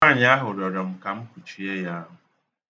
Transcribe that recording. Nwaanyị ahụ rịọrọ m ka m kuchie ya.